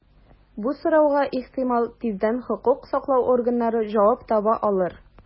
Бу сорауга, ихтимал, тиздән хокук саклау органнары җавап таба алыр.